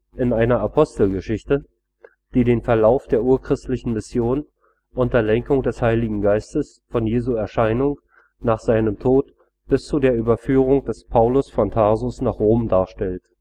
in einer Apostelgeschichte, die den Verlauf der urchristlichen Mission unter Lenkung des Heiligen Geistes von Jesu Erscheinung nach seinem Tod bis zu der Überführung des Paulus von Tarsus nach Rom darstellt